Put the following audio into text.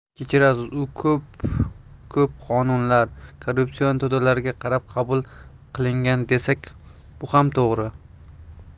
kechirasiz u ko'p ko'p qonunlar korrupsion to'dalarga qarab qabul qilingan desak bu ham to'g'ri